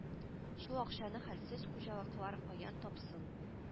Шул акчаны хәлсез хуҗалыклар каян тапсын